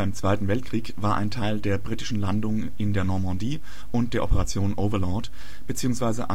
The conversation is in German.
Zweiten Weltkrieg war ein Teil der britischen Landungen in der Normandie und der Operation Overlord, bzw.